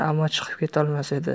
ammo chiqib ketolmas edi